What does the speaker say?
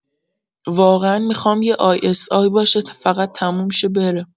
واقعا می‌خوام یه isi باشه فقط تموم شه بره.